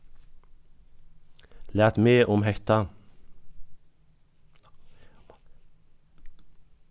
lat meg um hetta